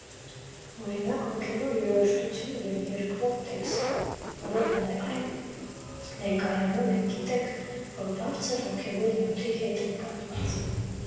Օրինակ՝ հոգևոր երաժշտությունը և երգվող տեքստը, որով այն ներկայանում է՝ գիտենք, որ բարձր հոգևոր նյութի հետ են կապված։